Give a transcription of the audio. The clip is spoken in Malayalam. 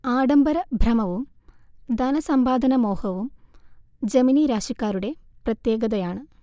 ആഡംബര ഭ്രമവും ധനസമ്പാദന മോഹവും ജമിനി രാശിക്കാരുടെ പ്രത്യേകതയാണ്